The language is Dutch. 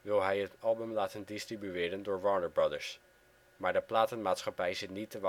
hij het album laten distribueren door Warner Brothers, maar de platenmaatschappij zit niet